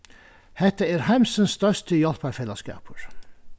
hetta er heimsins størsti hjálparfelagsskapur